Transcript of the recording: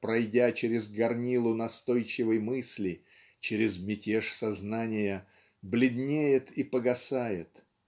пройдя через горнило настойчивой мысли через "мятеж сознания" бледнеет и погасает.